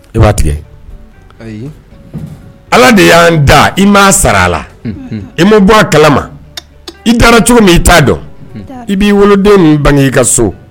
I tigɛ ala de y'an da i m ma sara a la i ma bɔ a kala ma i taara cogo min i ta dɔn i b'i wolodenw bange i ka so